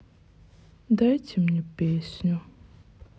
дайте мне песню